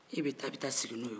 e bɛ taa i bɛ taa sigi n'o ye wo